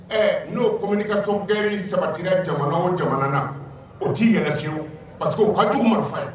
Ɛ n'o kɔmi ka sɔnkɛ sabatiya jamana o jamana na o t'iɛlɛnɛnɛ ye pa u ka jugu marifa ye